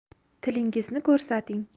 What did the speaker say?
tilingizni ko'rsating